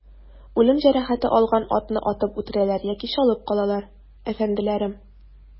Үлем җәрәхәте алган атны атып үтерәләр яки чалып калалар, әфәнделәрем.